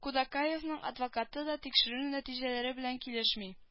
Кудакаевның адвокаты да тикшерү нәтиҗәләре белән килешми